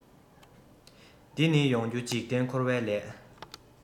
འདི ནི ཡོང རྒྱུ འཇིག རྟེན འཁོར བའི ལས